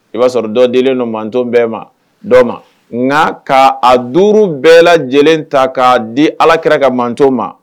I b'a sɔrɔ dɔ dilen don manto bɛɛ ma, bɛɛ ma, nka k'a a duuru bɛɛ lajɛlen ta k'a di alaakɛra ka mantonw ma